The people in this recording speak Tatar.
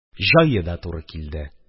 Җае да туры килде.